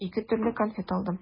Ике төрле конфет алдым.